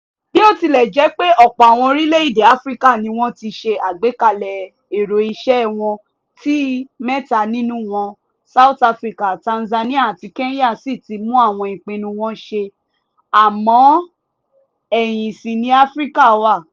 Bí ó tilẹ̀ jẹ́ pé ọ̀pọ̀ àwọn orílẹ̀ èdè Áfíríkà ni wọ́n ti ṣe àgbékalè èrò ìṣẹ́ wọn tí mẹ́ta nínú wọn_South Africa, Tanzania àti Kenya sì ti mú àwọn ìpinnu wọn ṣe àmọ́ ẹ̀yìn ṣi ni Áfíríkà wà.